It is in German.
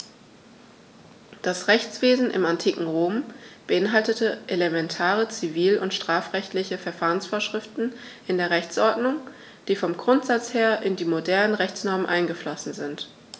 Das Rechtswesen im antiken Rom beinhaltete elementare zivil- und strafrechtliche Verfahrensvorschriften in der Rechtsordnung, die vom Grundsatz her in die modernen Rechtsnormen eingeflossen sind.